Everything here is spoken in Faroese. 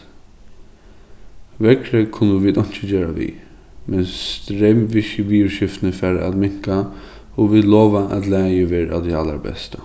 veðrið kunnu vit einki gera við men fara at minka og vit lova at lagið verður av tí allarbesta